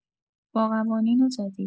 با قوانین جدید